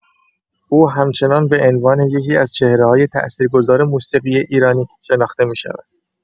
او همچنان به عنوان یکی‌از چهره‌های تاثیرگذار موسیقی ایرانی شناخته می‌شود.